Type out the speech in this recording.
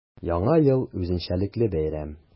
Яңа ел – үзенчәлекле бәйрәм.